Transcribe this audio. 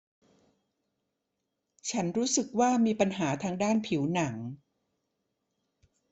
ฉันรู้สึกว่ามีปัญหาทางด้านผิวหนัง